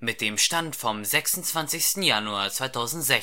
Mit dem Stand vom Der